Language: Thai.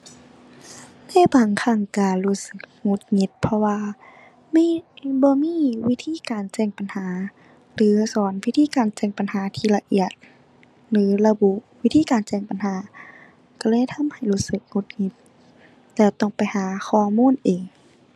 คิดว่าควรสิมีแจ้งเตือนเป็นระยะระยะ เพราะว่าบางเที่ยเราก็อยากเราว่ามีโปรโมชันอิหยัง